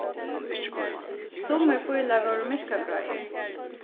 summir fílar vóru myrkagráir